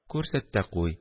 – күрсәт тә куй